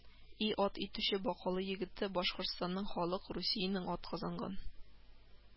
И ат итүче бакалы егете, башкортстанның халык, русиянең атказанган